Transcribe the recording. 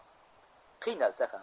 qiynalsa ham